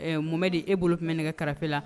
Ɛɛ mun di e bolo tun bɛ ne kɛ karafe la